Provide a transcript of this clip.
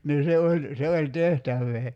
niin se oli se oli tehtävää